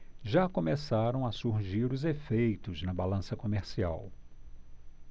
já começam a surgir os efeitos na balança comercial